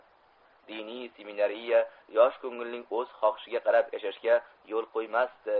diniy seminariya yosh ko'ngilning o'z xohishiga qarab yashashga yo'l qo'ymasdi